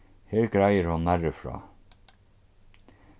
her greiður hon nærri frá